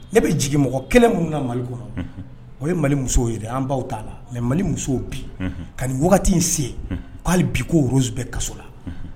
Ne bɛ jigi mɔgɔ kelen minnu na mali kɔnɔ o ye mali muso yɛrɛ an baw t'a la mɛ mali muso bi ka wagati in sen k'ale bi ko bɛ kaso la